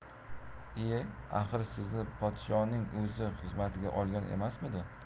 ie axir sizni podshoning o'zi xizmatiga olgan emasmidi